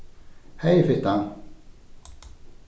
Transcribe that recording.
hey fitta